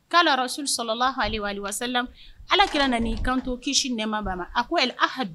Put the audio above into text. alakira nan'i kanto kisi ni nɛɛma b'a ma a ko ɛl ahadu